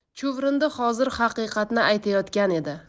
chuvrindi hozir haqiqatni aytayotgan edi